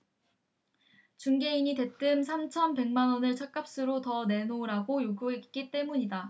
중개인이 대뜸 삼천 백 만원을 찻값으로 더 내놓으라고 요구했기 때문이다